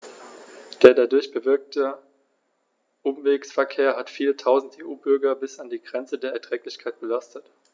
Der dadurch bewirkte Umwegsverkehr hat viele Tausend EU-Bürger bis an die Grenze des Erträglichen belastet.